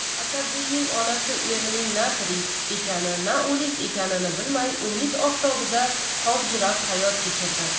asadbekning onasi erining na tirik ekani na o'lik ekanini bilmay umid oftobida qovjirab hayot kechirdi